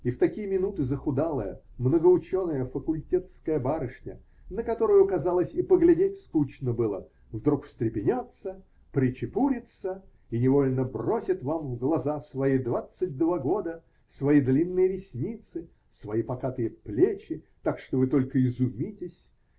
И в такие минуты захудалая, многоученая факультетская барышня, на которую, казалось, и поглядеть скучно было, вдруг встрепенется, причепурится и невольно бросит вам в глаза свои двадцать два года, свои длинные ресницы, свои покатые плечи, так, что вы только изумитесь.